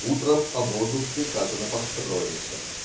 Утром обозу приказано построиться.